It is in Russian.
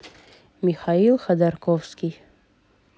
михаил ходорковский